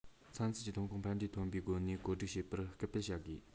ཚན རྩལ གྱི ཐོན ཁུངས ཕན འབྲས ཐོན པའི སྒོ ནས བགོ སྒྲིག བྱེད པར སྐུལ སྤེལ བྱ དགོས